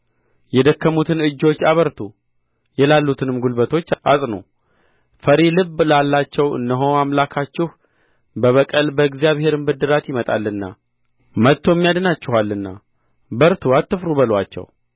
የደከሙትን እጆች አበርቱ የላሉትንም ጕልበቶች አጽኑ ፈሪ ልብ ላላቸው እነሆ አምላካችሁ በበቀል በእግዚአብሔርም ብድራት ይመጣልና መጥቶም ያድናችኋልና በርቱ አትፍሩ በሉአቸው